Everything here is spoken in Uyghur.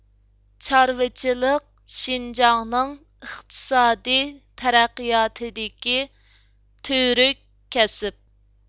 چارۋىچىلىق شىنجاڭنىڭ ئىقتىسادىي تەرەققىياتىدىكى تۈۋرۈك كەسىپ